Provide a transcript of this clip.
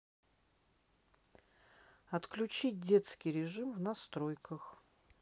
отключить детский режим в настройках